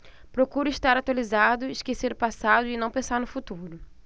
procuro estar atualizado esquecer o passado e não pensar no futuro